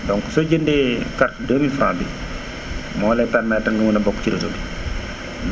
donc soo jëndee carte 2000F bi moo lay permettre nga mën a bokk ci réseau bi